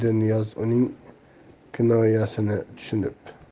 niyoz uning kinoyasini tushunib